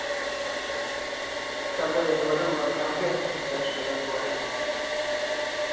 когда я говорю надо конкретно писать что я говорю